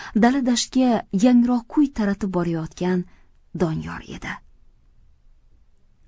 dala dashtga yangroq kuy taratib borayotgan doniyor edi